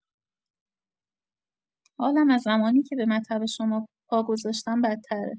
حالم از زمانی که به مطب شما پا گذاشتم بدتره.